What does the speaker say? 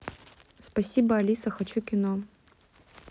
спасибо алиса хочу кино